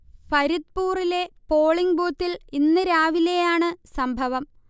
ഫരിദ്പുറിലെ polling ബൂത്തിൽ ഇന്ന് രാവിലെയാണ് സംഭവം